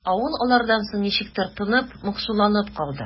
Авыл алардан соң ничектер тынып, моңсуланып калды.